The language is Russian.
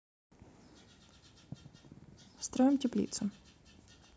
строим теплицу